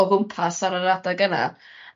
o gwmpas ar yr adag yna